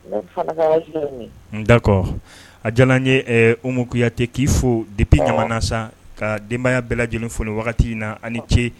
Ne fana ka rajout ye nin ye, d'accord a diyara an ye ɛɛ Umu Kuyate k'i fo dépuis Ɲamana sa ka denbaya bɛɛ lajɛlen fo nin wagati in na ani ce